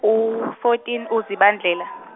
u- fourteen kuZibandlela.